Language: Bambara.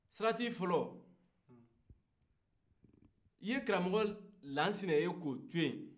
sarati fɔlɔ i ka karamɔgɔ lansina ye ko toyen